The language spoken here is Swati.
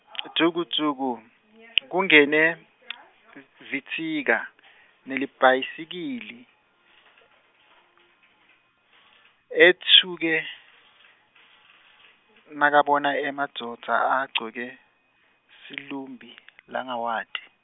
Dvukudvuku kungene, Vitsika, nelibhayisikili , etfuke , nakabona emadvodza agcoke, silumbi langawati.